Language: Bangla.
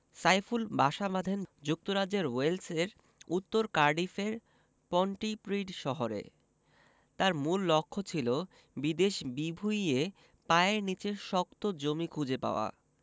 সাইফুল বাসা বাঁধেন যুক্তরাজ্যের ওয়েলসের উত্তর কার্ডিফের পন্টিপ্রিড শহরে তাঁর মূল লক্ষ্য ছিল বিদেশ বিভুঁইয়ে পায়ের নিচে শক্ত জমি খুঁজে পাওয়া